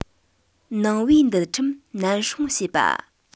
ནང བའི འདུལ ཁྲིམས ནན སྲུང བྱེད པ